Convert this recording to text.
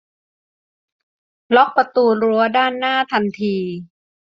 ล็อกประตู้รั้วด้านหน้าทันที